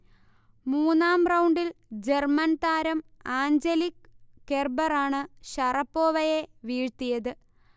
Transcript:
മൂന്നാം റൗണ്ടിൽ ജർമൻ താരം ആഞ്ചലിക് കെർബറാണ് ഷറപ്പോവയെ വീഴ്ത്തിയത്